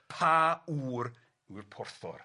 pa ŵr yw'r porthwr?